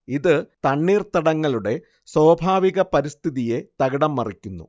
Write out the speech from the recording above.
ഇത് തണ്ണീർത്തടങ്ങളുടെ സ്വാഭാവിക പരിസ്ഥിതിയെ തകിടംമറിക്കുന്നു